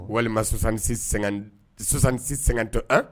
Walima 66 50 66 51 .